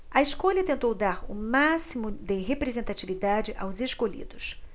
a escolha tentou dar o máximo de representatividade aos escolhidos